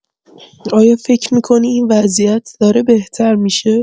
آیا فکر می‌کنی این وضعیت داره بهتر می‌شه؟